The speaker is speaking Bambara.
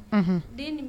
Den